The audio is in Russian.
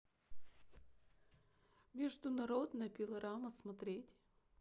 международная пилорама смотреть